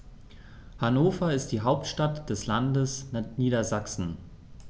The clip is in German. Hannover ist die Hauptstadt des Landes Niedersachsen.